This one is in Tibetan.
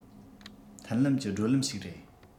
མཐུན ལམ གྱི བགྲོད ལམ ཞིག རེད